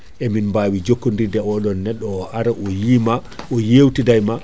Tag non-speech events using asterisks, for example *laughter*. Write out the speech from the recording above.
e min bawi jokkodirde e oɗon neɗɗo o ara o yima o yewtida e ma *noise*